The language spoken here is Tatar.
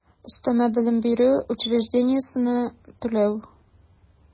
Өстәмә белем бирү учреждениесенә түләү